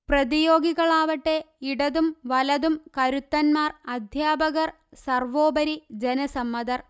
പ്രതിയോഗികളാവട്ടെ ഇടതും വലതും കരുത്തന്മാർ അദ്ധ്യാപകർ സർവ്വോപരി ജനസമ്മതർ